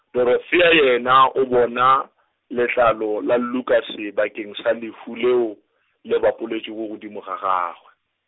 Dorothea yena o bona, letlalo la Lukas se bakeng sa lehu leo , le bapoletšwe go godimo ga gagwe.